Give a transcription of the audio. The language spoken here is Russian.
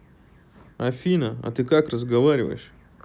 афина а ты как разговариваешь